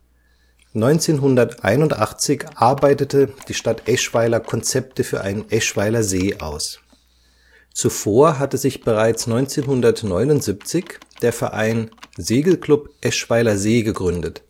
1981 arbeitete die Stadt Eschweiler Konzepte für einen Eschweiler See aus; zuvor hatte sich bereits 1979 der Verein Segelklub Eschweiler See gegründet